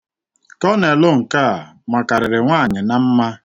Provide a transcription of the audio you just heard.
Kọnel nke a makarịrị nwaanyị na mma.